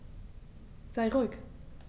Sei ruhig.